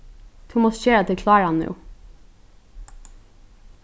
tú mást gera teg kláran nú